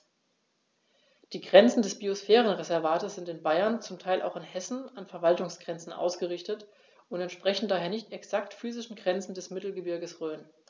Die Grenzen des Biosphärenreservates sind in Bayern, zum Teil auch in Hessen, an Verwaltungsgrenzen ausgerichtet und entsprechen daher nicht exakten physischen Grenzen des Mittelgebirges Rhön.